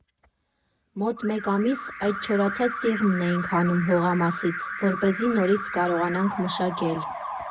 Մոտ մեկ ամիս այդ չորացած տիղմն էինք հանում հողամասից, որպեսզի նորից կարողանանք մշակել։